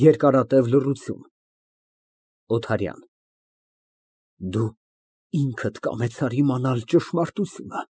Երկարատև լռություն։ ՕԹԱՐՅԱՆ ֊ Դու ինքդ կամեցար իմանալ ճշմարտությունը։